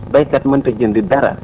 béykat mënut a jënd dara